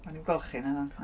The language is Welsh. Wnawn ni'm gweld chi na nawn?